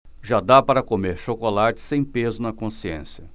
já dá para comer chocolate sem peso na consciência